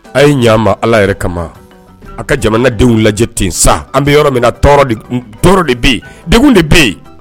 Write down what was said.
A' ye ɲ ma ala yɛrɛ kama a ka jamana denw lajɛ ten sa an bɛ yɔrɔ min tɔɔrɔ de bɛ yen deg de bɛ yen